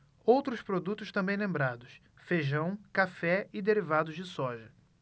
outros produtos também lembrados feijão café e derivados de soja